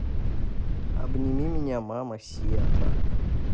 обними меня мама siatria